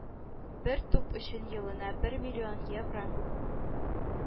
Бер туп өчен елына бер миллион евро